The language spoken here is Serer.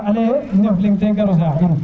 a leya ndef leng te gare saax in